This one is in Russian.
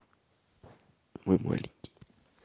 мой маленький